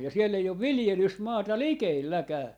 ja siellä ei ole viljelysmaata likelläkään